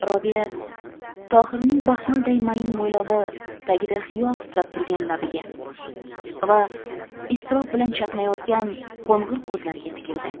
robiya tohirning baxmalday mayin mo'ylovi tagida xiyol titrab turgan labiga va iztirob bilan chaqnayotgan qo'ng'ir ko'zlariga tikildi